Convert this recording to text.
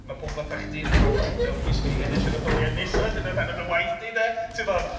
Mae pobl fatha chdi yn proffwyddo pwy sy'n mynd i ennill yr etholiad nesaf, dyna rhan o dy waith di 'de, ti'bo!